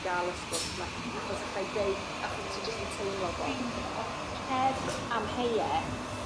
ga'l y sgwrs 'ma achos allai ddeud achos ti jyst yn teimlo fo... Teimlo fo. ...on' heb amheueth